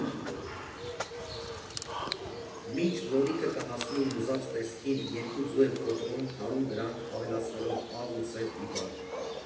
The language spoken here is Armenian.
Մինչ լոլիկը կհասնի իմ ուզած տեսքին, երկու ձու եմ կոտրում, հարում դրանք՝ ավելացնելով աղ ու սև բիբար։